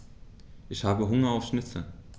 Ich habe Hunger auf Schnitzel.